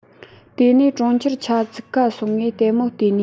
དེ ནས གྲོང ཁྱེར ཆ ཚིག ག སོང ངས ལྟད མོ བལྟས ནིས